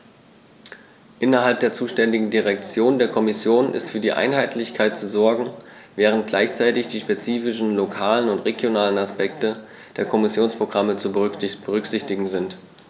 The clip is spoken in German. Innerhalb der zuständigen Direktion der Kommission ist für Einheitlichkeit zu sorgen, während gleichzeitig die spezifischen lokalen und regionalen Aspekte der Kommissionsprogramme zu berücksichtigen sind.